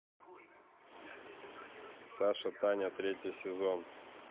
саша таня третий сезон